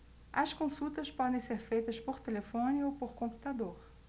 as consultas podem ser feitas por telefone ou por computador